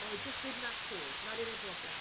Mae jyst ddim 'na 'to, 'na'r unig broblem.